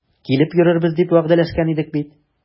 Килеп йөрербез дип вәгъдәләшкән идек бит.